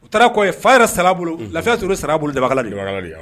U taara kɔ ye fa yɛrɛ sara bolo lafiyatura sara bolo da